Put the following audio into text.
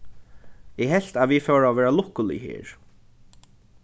eg helt at vit fóru at vera lukkulig her